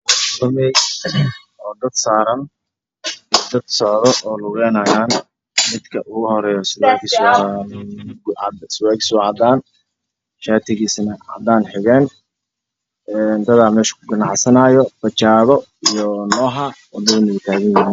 Waa meel suq ah gaari home cadaan ayaa maraayo niman ayaa maraayo suuqeen doon ayaa ku yaalla gaduud ah